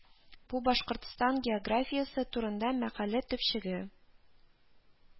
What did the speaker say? Бу Башкортстан географиясе турында мәкалә төпчеге